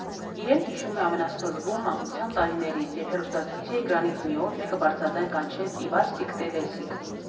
Իրեն հիշում է ամենասկզբում, մանկության տարիներից, երբ հեռուստացույցի էկրանից մի օր մեկը բարձրաձայն կանչեց՝ «Իվասիկ տելեսիկ»։